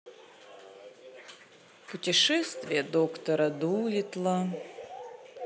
путешествие доктора дулиттла